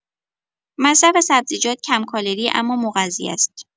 مصرف سبزیجات کم‌کالری اما مغذی است؛